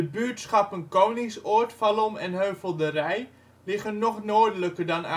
buurtschappen Koningsoord, Valom en Heuvelderij liggen nog noordelijker dan Oudeschip